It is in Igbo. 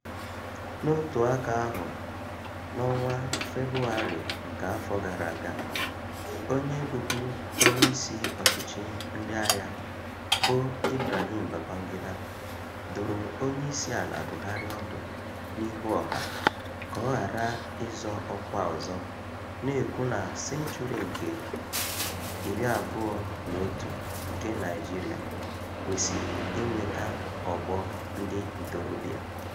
N'otu aka ahụ, n'ọnwa Febụwarị nke afọ gara aga, onye bụbu onyeisi ọchịchị ndị agha bụ Ibrahim Babangida dụrụ Onyeisiala Buhari ọdụ n'ihu ọha ka ọ ghara ịzọ ọkwa ọzọ, na-ekwu na senchuri nke 21 nke Naịjirịa kwesịrị inweta ọgbọ ndị ntorobịa.